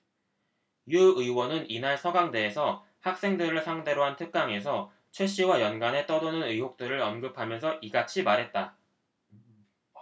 유 의원은 이날 서강대에서 학생들을 상대로 한 특강에서 최씨와 연관해 떠도는 의혹들을 언급하면서 이같이 말했다